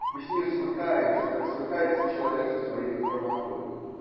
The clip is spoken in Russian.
Мы с нею свыкаемся, как свыкается человек со своей хромотою.